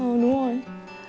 ừ đúng rồi